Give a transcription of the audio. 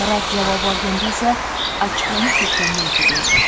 rad javobi olganda esa achchiqlanib ketganini aytib berdi